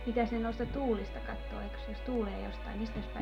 mitäs ne noista tuulista katsoo eikös jos tuulee jostakin mistäs päin sen